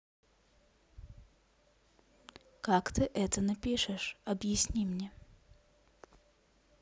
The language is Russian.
как ты это напишешь объясни мне